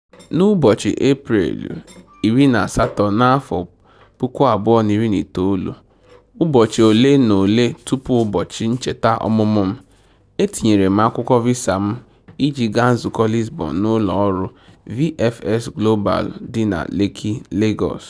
N'ụbọchị Eprel 18 n'afọ 2019, ụbọchị ole na ole tụpụ ụbọchị ncheta ọmụmụ m, etinyere m akwụkwọ visa m iji gaa nzukọ Lisbon n'ụlọọrụ VFS Global dị na Lekki, Lagos.